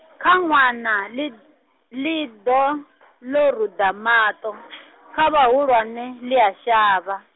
kha ṅwana ḽi, ḽi ḓo , ḽo ruḓa maṱo , kha vhahulwane ḽia shavha.